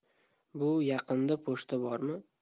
bu yaqinda pochta bormi